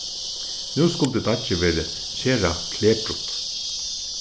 nú skuldi deiggið verið sera kleprut